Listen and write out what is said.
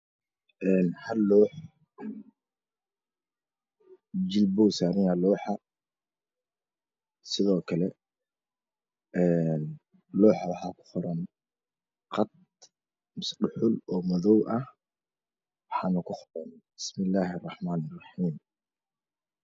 Hal loox jilpaha puu saranyahay looxa sidoo kle looxa waxaa ku qoran qad Misa dhuxul oo madow ah waxaana ku qoran bismilaalhi raxmaani raxiim